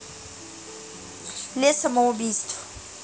лес самоубийств